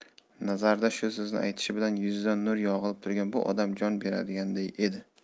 nazarida shu so'zni aytishi bilan yuzidan nur yog'ilib turgan bu odam jon beradiganday edi